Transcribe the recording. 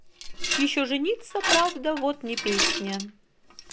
еще жениться правда вот не песня